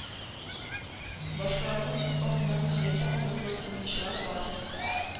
Башкаларны үз артыннан ияртә алырлык уенчылар бар.